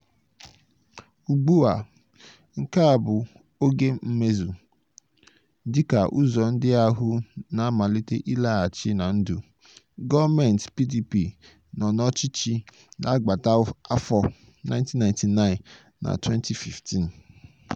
Ugbu a, nke a bụ 'Oge Mmezu' dịka ụzọ ndị ahụ na-amalite ịlaghachi na ndụ.” Gọọmentị PDP nọ n'ọchịchị n'agbata afọ 1999 na 2015.